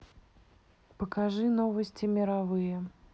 покажи новости мировые